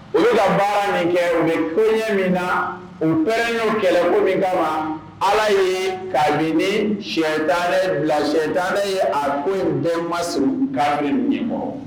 Olu ka baara min kɛ u koɲɛ min na u p ɲɔ kɛlɛ ko min kama ala ye k'a di shɛaa bila shɛtarɛ ye a ko in den mas' bɛ ɲɛmɔgɔ